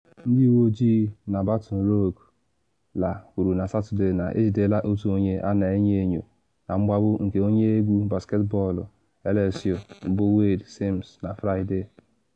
Ndị uwe ojii na Baton Rouge, La., kwuru na Satọde na ejidela otu onye a na enyo enyo na mgbagbu nke onye egwu basketbọọlụ LSU bụ Wayde Sims na Fraịde.